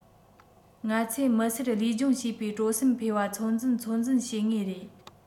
ང ཚོས མི སེར ལུས སྦྱོང བྱེད པའི སྤྲོ སེམས འཕེལ བ ཚོད འཛིན ཚོད འཛིན བྱེད ངེས རེད